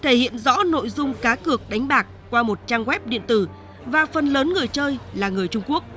thể hiện rõ nội dung cá cược đánh bạc qua một trang goép điện tử và phần lớn người chơi là người trung quốc